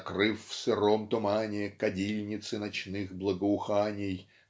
"закрыв в сыром тумане кадильницы ночных благоуханий